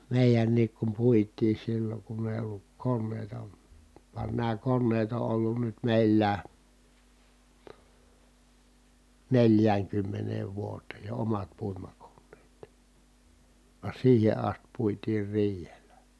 meidänkin kun puitiin silloin kun ei ollut koneita vaan nämä koneet on ollut nyt meillä neljäänkymmeneen vuoteen jo omat puimakoneet vaan siihen asti puitiin riihellä